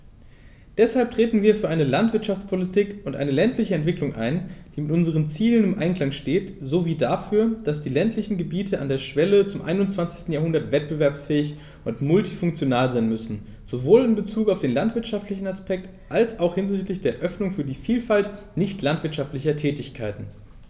Deshalb treten wir für eine Landwirtschaftspolitik und eine ländliche Entwicklung ein, die mit unseren Zielen im Einklang steht, sowie dafür, dass die ländlichen Gebiete an der Schwelle zum 21. Jahrhundert wettbewerbsfähig und multifunktional sein müssen, sowohl in Bezug auf den landwirtschaftlichen Aspekt als auch hinsichtlich der Öffnung für die Vielfalt nicht landwirtschaftlicher Tätigkeiten.